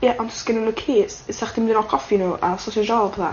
Ie ond os gennyn nw'm cis fysach chdi myn' i coffi i n'w a sosej rôl a petha?